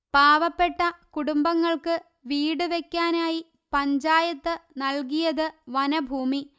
പാവപ്പെട്ട കുടുംബങ്ങൾക്ക് വീട് വെക്കാനായി പഞ്ചായത്ത് നല്കിയത് വനഭൂമി